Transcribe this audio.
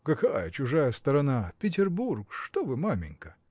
– Какая чужая сторона, Петербург: что вы, маменька!